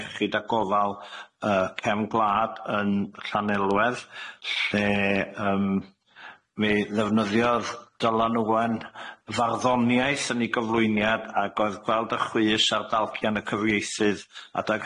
iechyd a gofal yy cefn gwlad yn Llanelwedd lle yym mi ddefnyddiodd Dylan Owen farddoniaeth yn ei gyflwyniad ag oedd gweld y chwys a'r dalcian y cyfieithydd adag